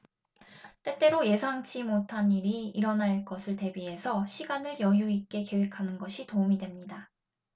때때로 예상치 못한 일이 일어날 것을 대비해서 시간을 여유 있게 계획하는 것이 도움이 됩니다